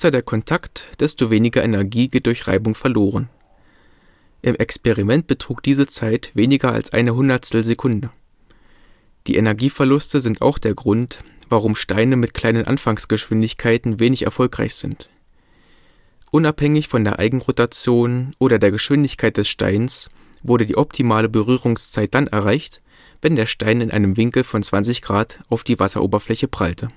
der Kontakt, desto weniger Energie geht durch Reibung verloren. Im Experiment betrug diese Zeit weniger als 1/100 Sekunde. Die Energieverluste sind auch der Grund, warum Steine mit kleinen Anfangsgeschwindigkeiten wenig erfolgreich sind. Unabhängig von der Eigenrotation oder der Geschwindigkeit des Steins wurde die optimale Berührungszeit dann erreicht, wenn der Stein in einem Winkel von 20 Grad auf die Wasseroberfläche prallte